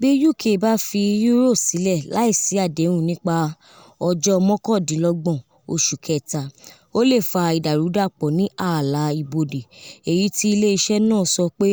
Bí UK bá fi EU sílẹ̀ láìsí àdéhùn ní ọjọ́ 29 oṣù Kẹta, ó lè fa ìdàrúdàpọ̀ ní ààlà ibodè, èyí tí ilé-iṣẹ́ náà sọ pé